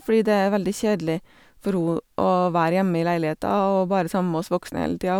Fordi det er veldig kjedelig for ho å være hjemme i leiligheta å bare sammen med oss voksne hele tida.